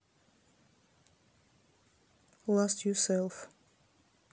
ласт ю селф